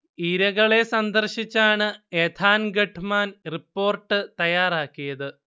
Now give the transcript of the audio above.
ഇരകളെ സന്ദർശിച്ചാണ് Ethan Gutmann report തയാറാക്കിയത്